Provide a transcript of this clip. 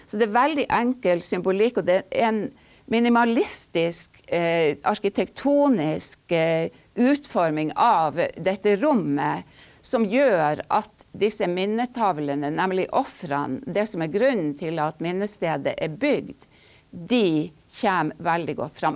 så det er veldig enkel symbolikk, og det er en minimalistisk arkitektonisk utforming av dette rommet som gjør at disse minnetavlene, nemlig ofrene, det som er grunnen til at minnestedet er bygd, de kommer veldig godt fram.